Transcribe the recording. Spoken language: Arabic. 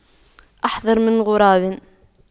أحذر من غراب